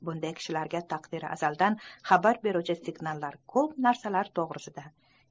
bunday kishilarga taqdiri azaldan xabar beruvchi signallar ko'p narsalar to'g'risida